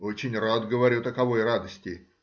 — Очень рад,— говорю,— таковой радости